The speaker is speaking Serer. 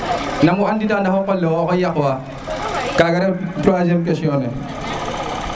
nama an dita ndaxa qol lewo o xay yaq wa